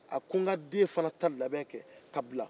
a ko n fana ka den ta labɛn kɛ k'a bila